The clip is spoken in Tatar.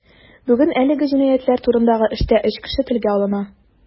Бүген әлеге җинаятьләр турындагы эштә өч кеше телгә алына.